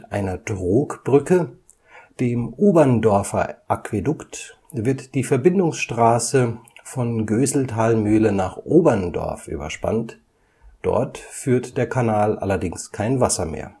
einer Trogbrücke, dem Oberndorfer Aquädukt, wird die Verbindungsstraße von Gößelthalmühle nach Oberndorf (Beilngries) (49° 3′ 19,2″ N, 11° 28′ 2,4″ O 49.05533055555611.467336111111) überspannt, dort führt der Kanal allerdings kein Wasser mehr